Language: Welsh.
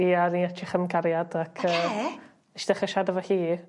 Ia o'n i etrych am cariad ac yy... Oce... ...nesh i dechre siarad efo hi